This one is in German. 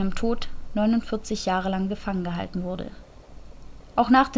Tod 49 Jahre lang gefangen gehalten wurde. Auch nach